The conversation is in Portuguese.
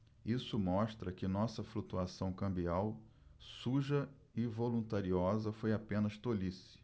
isso mostra que nossa flutuação cambial suja e voluntariosa foi apenas tolice